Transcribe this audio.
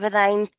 fydda i'n